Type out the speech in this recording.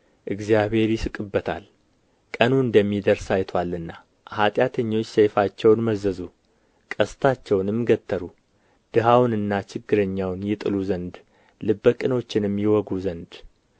እግዚአብሔር ይሥቅበታል ቀኑ እንደሚደርስ አይቶአልና ኃጢአተኞች ሰይፋቸውን መዘዙ ቀስታቸውንም ገተሩ ድሀውንና ችግረኛውን ይጥሉ ዘንድ ልበ ቅኖችንም ይወጉ ዘንድ